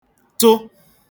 tụ